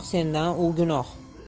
sendan u gunoh